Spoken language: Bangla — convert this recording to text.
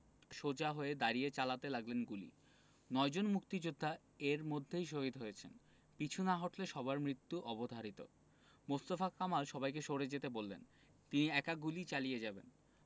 সোজা হয়ে দাঁড়িয়ে চালাতে লাগলেন গুলি নয়জন মুক্তিযোদ্ধা এর মধ্যেই শহিদ হয়েছেন পিছু না হটলে সবার মৃত্যু অবধারিত মোস্তফা কামাল সবাইকে সরে যেতে বললেন তিনি একা গুলি চালিয়ে যাবেন